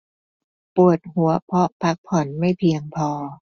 ปวดหัวเพราะพักผ่อนไม่เพียงพอ